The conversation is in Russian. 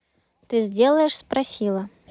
ты сделаешь спросила